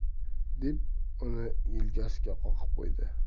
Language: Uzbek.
deb uni yelkasiga qoqib qo'ydi